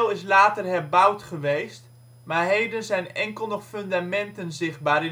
is later herbouwd geweest maar heden zijn enkel nog de fundamenten zichtbaar